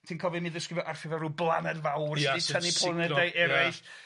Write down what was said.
Ti'n cofio i mi ddisgrifo Arthur fel ryw blaned fawr sy 'di tynnu planedau eraill